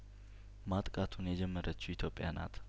ማጥቃቱን የጀመረችው ኢትዮጵያ ናት